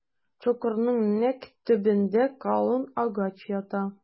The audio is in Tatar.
Чокырның нәкъ төбендә калын агач ята.